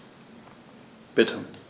Bitte.